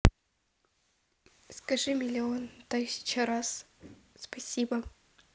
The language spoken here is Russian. скажи миллион тысяч раз спасибо